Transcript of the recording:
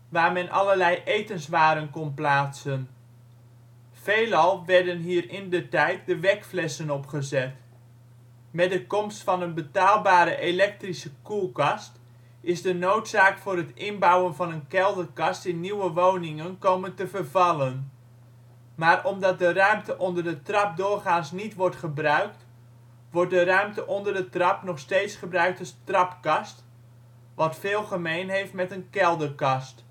waar men allerlei etenswaren kon plaatsen. Veelal werden hier indertijd de weckflessen op gezet. Met de komst van een betaalbare elektrische koelkast is de noodzaak voor het inbouwen van een kelderkast in nieuwe woningen komen te vervallen. Maar omdat de ruimte onder de trap doorgaans niet wordt gebruikt, wordt de ruimte onder de trap nog steeds gebruikt als trapkast, die veel gemeen heeft met een kelderkast